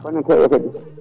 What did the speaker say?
kowoni hen fo yataw ɓuuri